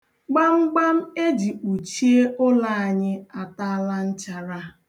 Gbamgbam e ji kpuchie ụlọ anyị ataala nchara.